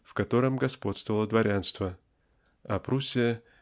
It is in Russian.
в котором господствовало дворянство а Пруссия